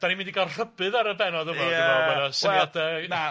'Dan ni'n mynd i ga'l rhybudd ar y bennod yma. dwi'n me'wl bod y syniade... Wel, na.